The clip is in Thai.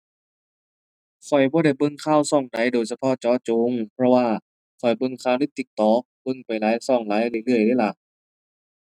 ข้อยบ่ได้เบิ่งข่าวช่องใดโดยเฉพาะเจาะจง เพราะว่าข้อยเบิ่งข่าวใน TikTok เบิ่งไปหลายช่องหลายเรื่อยเรื่อยเลยล่ะ